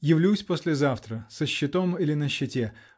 Явлюсь послезавтра -- со щитом или на щите!